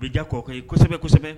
O ye diya kɔɔkɛ ye kosɛbɛ-kosɛbɛ